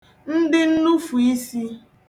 ndị nnufùisī